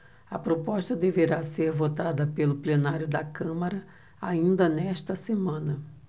a proposta deverá ser votada pelo plenário da câmara ainda nesta semana